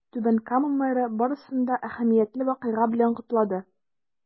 Түбән Кама мэры барысын да әһәмиятле вакыйга белән котлады.